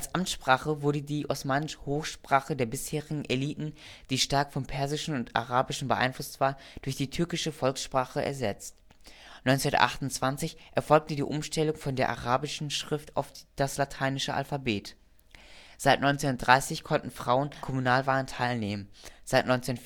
Amtssprache wurde die osmanische Hochsprache der bisherigen Eliten, die stark vom Persischen und Arabischen beeinflusst war, durch die türkische Volkssprache ersetzt. 1928 erfolgte die Umstellung von der arabischen Schrift auf das lateinische Alphabet. Seit 1930 konnten Frauen an Kommunalwahlen teilnehmen, seit 1934